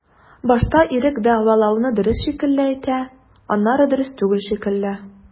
Башта ирек дәгъвалауны дөрес шикелле әйтә, аннары дөрес түгел шикелле.